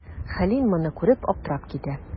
Хәлим моны күреп, аптырап китә.